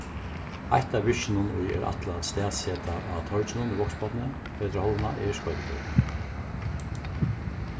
eitt av virkjunum ið er ætlað at staðseta á torginum í vágsbotni vetrarhálvuna er skoytubreytin